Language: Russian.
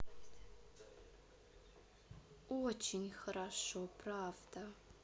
очень хорошо правда